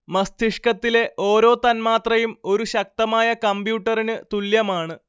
മസ്തിഷ്കത്തിലെ ഓരോ തന്മാത്രയും ഒരു ശക്തമായ കമ്പ്യൂട്ടറിന് തുല്യമാണ്